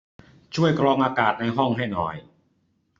ช่วยกรองอากาศในห้องให้หน่อย